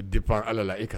Dira ala la i ka